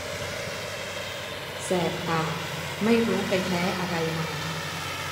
แสบปากไม่รู้ไปแพ้อะไรมา